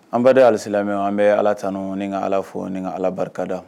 Anba de alisila an bɛ ala tan ni ka ala fo ni ka ala barikada